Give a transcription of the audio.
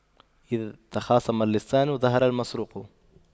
إذا تخاصم اللصان ظهر المسروق